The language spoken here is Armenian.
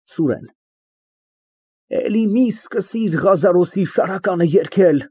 ՍՈՒՐԵՆ ֊ Էլի մի սկսիր Ղազարոսի շարականը երգել։